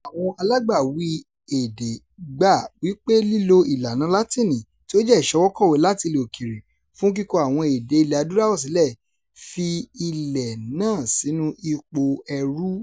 Àwọn alágbàwí èdè gbà wí pé lílo ìlànà Látíìnì, tí ó jẹ́ ìṣọwọ́kọ láti ilẹ̀ òkèèrè, fún kíkọ àwọn èdè Ilẹ̀-Adúláwọ̀ sílẹ̀, fi ilẹ̀ náà sínú ipò ẹrú.